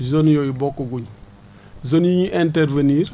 znes yooyu bokkaguñu zones yi ñuy intervenir